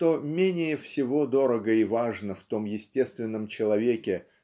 что менее всего дорого и важно в том естественном человеке